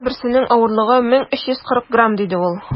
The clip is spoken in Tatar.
- менә берсенең авырлыгы 1340 грамм, - диде ул.